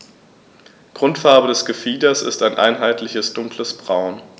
Grundfarbe des Gefieders ist ein einheitliches dunkles Braun.